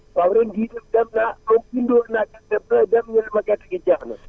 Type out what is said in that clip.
waaw ren jii tam dem naa bindu woon naa dem mais dem ñu ne ma gerte gi jeex na